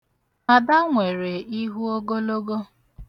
Ada nwere ihu ogologo.